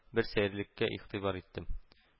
Бер сәерлекә ихтибар итте